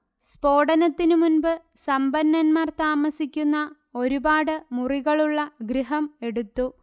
സ്ഫോടനത്തിനു മുന്പ് സമ്പന്നന്മാർ താമസിക്കുന്ന ഒരുപാട് മുറികളുള്ള ഗൃഹം എടുത്തു